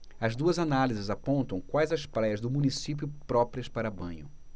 as duas análises apontam quais as praias do município próprias para banho